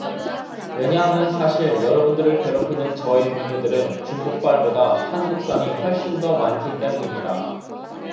왜냐하면 사실 여러분들을 괴롭히는 저의 동료들은 중국발보다 한국산이 훨씬 더 많기 때문입니다